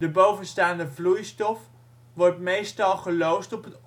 bovenstaande vloeistof wordt meestal geloosd